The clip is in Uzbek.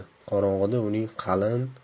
qorong'ida uning qalin